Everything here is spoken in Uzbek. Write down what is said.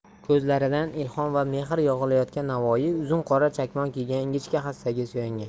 ko'zlaridan ilhom va mehr yog'ilayotgan navoiy uzun qora chakmon kiygan ingichka hassaga suyangan